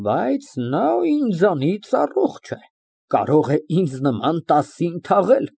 Բայց նա ինձանից առողջ է, կարող է ինձ նման տասին թաղել։